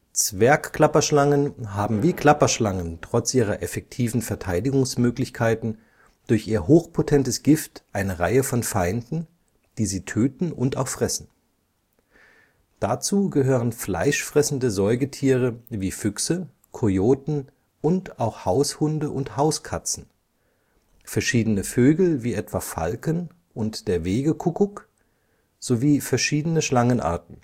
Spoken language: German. Zwergklapperschlangen haben wie Klapperschlangen trotz ihrer effektiven Verteidigungsmöglichkeiten durch ihr hochpotentes Gift eine Reihe von Feinden, die sie töten und auch fressen. Dazu gehören fleischfressende Säugetiere wie Füchse, Kojoten und auch Haushunde und Hauskatzen, verschiedene Vögel wie etwa Falken und der Wegekuckuck (Geococcyx californianus) sowie verschiedene Schlangenarten